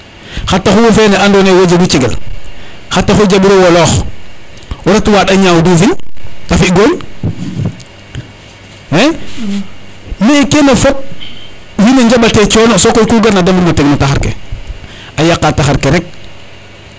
xa taxu wo fene ando naye wo jegu cegel xa taxu jaɓiro woloox ret waɗa ñaaw dufin te fi gooñ m kene fop wiiw we njaɓate cono so ku garna de mbug no teg no taxar ke a yaqa taxar ke rek